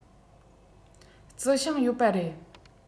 རྩི ཤིང ཡོད པ རེད